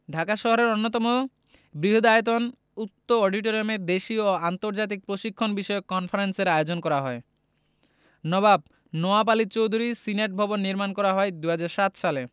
ঢাকা শহরের অন্যতম বৃহদায়তন উক্ত অডিটোরিয়ামে দেশীয় ও আন্তর্জাতিক প্রশিক্ষণ বিষয়ক কনফারেন্সের আয়োজন করা হয় নবাব নওয়াব আলী চৌধুরী সিনেটভবন নির্মাণ করা হয় ২০০৭ সালে